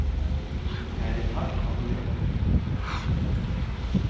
har er hall á fíggjarlógini